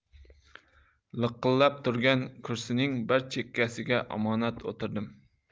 liqillab turgan kursining bir chekkasiga omonat o'tirdim